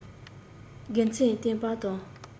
དགེ ཚན ལྟན པ དང